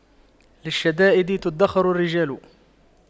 للشدائد تُدَّخَرُ الرجال